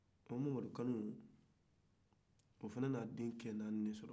o mamadukanu o fana ye denkɛ naani de sɔrɔ